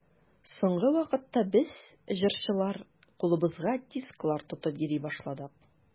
Соңгы вакытта без, җырчылар, кулыбызга дисклар тотып йөри башладык.